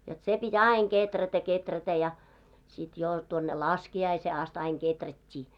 jotta se piti aina kehrätä kehrätä ja sitten jo tuonne laskiaiseen asti aina kehrättiin